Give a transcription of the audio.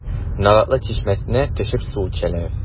Наратлы чишмәсенә төшеп су эчәләр.